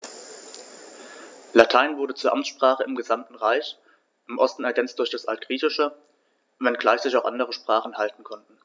Latein wurde zur Amtssprache im gesamten Reich (im Osten ergänzt durch das Altgriechische), wenngleich sich auch andere Sprachen halten konnten.